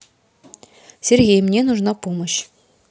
сергей мне нужна помощь